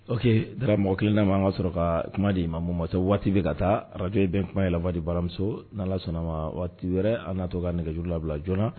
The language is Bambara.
Oke dara mɔgɔ kelen na ma an ka sɔrɔ ka kuma de ye ma mun ma se waati bɛ ka taa arajye bɛ kuma ye ladi baramuso n' sɔnna ma waati wɛrɛ an n'a to ka nɛgɛjuru labila joonana